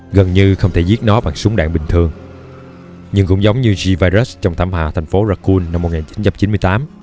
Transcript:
gần như không thể giết nó bằng súng đạn bình thường nhưng cũng giống như gvirus trong thảm họa ở thành phố raccoon năm